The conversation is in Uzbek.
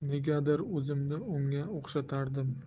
negadir o'zimni unga o'xshatardim